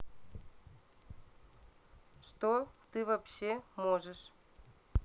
что ты вообще можешь